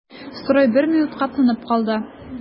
Строй бер минутка тынып калды.